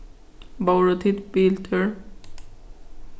vóru tit biltúr